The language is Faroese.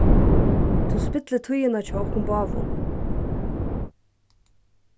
tú spillir tíðina hjá okkum báðum